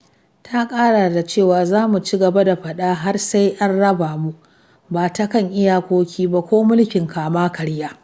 Sai dai, Falasɗinawa ba da daɗewa sun gano cewa Masar tana iyakance adadin mutanen da za su iya tsallakawa, kuma dubban mutane ne suka rage suna jira cikin takaici.